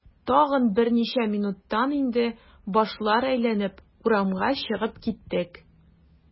Тагын берничә минуттан инде башлар әйләнеп, урамга чыгып киттек.